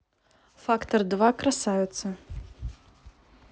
фактор два красавица